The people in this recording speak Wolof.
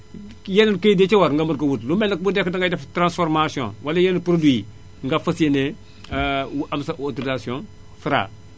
yeneen kayit ya ca war nga mën koo wut lu mel ne que bu dee dangay def transformation wala yeneen produit yi nga fas yéenee wu am sa autorisation Fra